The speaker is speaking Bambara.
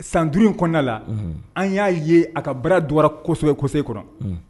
San duuruuru in kɔnɔnala an y'a ye a ka bara donwara kɔnɔ